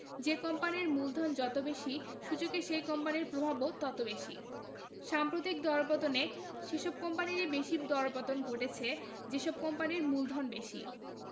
যে কোম্পানির মূলধন যত বেশি সূচকে সেই কোম্পানির প্রভাবও তত বেশি সাম্প্রতিক দরপতনে সেসব কোম্পানিরই বেশি দরপতন ঘটেছে যেসব কোম্পানির মূলধন বেশি